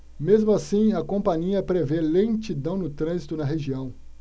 mesmo assim a companhia prevê lentidão no trânsito na região